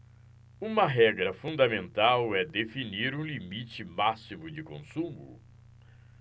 uma regra fundamental é definir um limite máximo de consumo